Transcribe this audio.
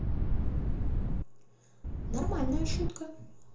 нормальная шутка